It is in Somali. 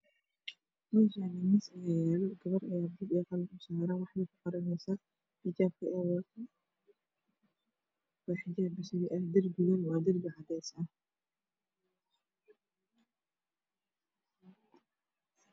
Meshani miis ayaa yalo gabar ayaa wax ku qornaysaa xijabka ey wadatana waa xijaab basali ah derbigana waa derbi cadees ah